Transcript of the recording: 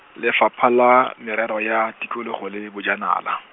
Lefapha la, Merero ya Tikologo le Bojanala.